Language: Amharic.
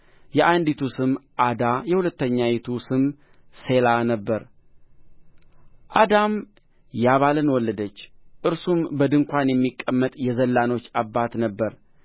የአንዲቱ ስም ዓዳ የሁለተኛይቱ ስም ሴላ ነበረ ዓዳም ያባልን ወለደች እርሱም በድንኳን የሚቀመጡት የዘላኖች አባት ነበረ